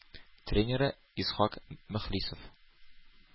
Тренеры – исхак мөхлисов